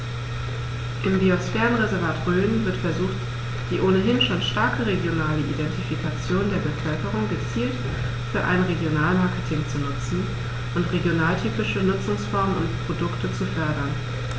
Im Biosphärenreservat Rhön wird versucht, die ohnehin schon starke regionale Identifikation der Bevölkerung gezielt für ein Regionalmarketing zu nutzen und regionaltypische Nutzungsformen und Produkte zu fördern.